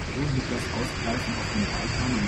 Schon Hitlers Ausgreifen auf den Balkan